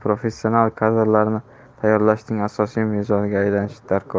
professional kadrlarini tayyorlashning asosiy mezoniga aylanishi darkor